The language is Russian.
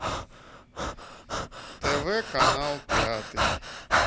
тв канал пятый